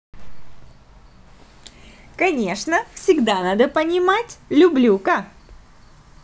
конечно всегда надо понимать люблюка